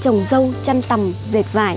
trồng dâu chăn tằm dệt vải